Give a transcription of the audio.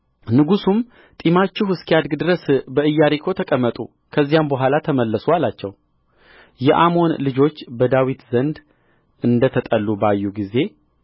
ንጉሡም ጢማችሁ እስኪያድግ ድረስ በኢያሪኮ ተቀመጡ ከዚያም በኋላ ተመለሱ አላቸው የአሞን ልጆች በዳዊት ዘንድ እንደተጠሉ ባዩ ጊዜ